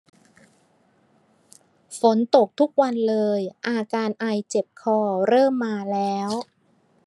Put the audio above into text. ฝนตกทุกวันเลยอาการไอเจ็บคอเริ่มมาแล้ว